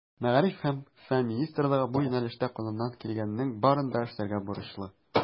Мәгариф һәм фән министрлыгы бу юнәлештә кулыннан килгәннең барын да эшләргә бурычлы.